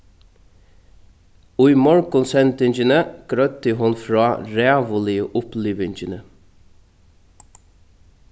í morgunsendingini greiddi hon frá ræðuligu upplivingini